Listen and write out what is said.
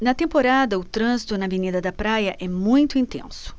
na temporada o trânsito na avenida da praia é muito intenso